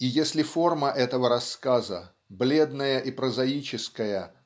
И если форма этого рассказа бледная и прозаическая